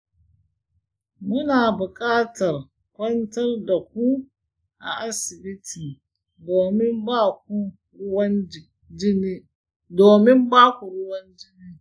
muna buƙatar kwantar da ku a asibiti domin ba ku ruwan jini